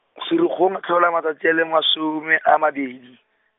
Ferikgong a tlhola matsatsi a le masome a mabedi.